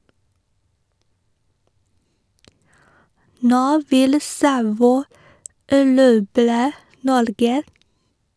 Nå vil Savoy erobre Norge.